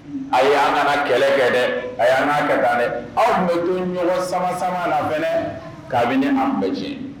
A ye an nana kɛlɛ kɛ dɛ a y'an n'an ka dɛ aw bɛ don ɲɔgɔn sama sama la fɛ k'a an bɛ diɲɛ